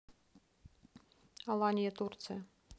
аланья турция